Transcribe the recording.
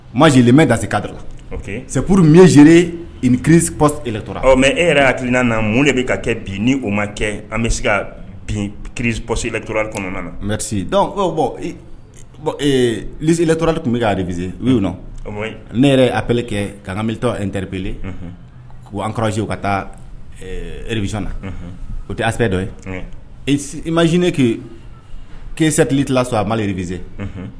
Ma zemɛ gasi ka la seuru mize kirip e yɛrɛ hakili' na mun de bɛ ka kɛ bin ni o ma kɛ an bɛ se ka bin kiripssili bɔn zetturali tun bɛ' a aliriz u bɛ ne yɛrɛ aple kɛ kaga mitɔ n terirepele k an kɔrɔsi u ka taa eribisɔn na o tɛ a sɛ dɔ ye i mazene kɛ kesɛtili tilala sɔrɔ a ma rezse